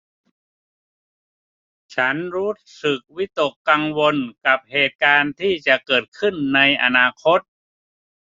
ฉันรู้สึกวิตกกังวลกับเหตุการณ์ที่จะเกิดขึ้นในอนาคต